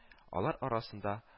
Алар арасында